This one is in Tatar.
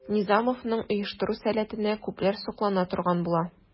Низамовның оештыру сәләтенә күпләр соклана торган була.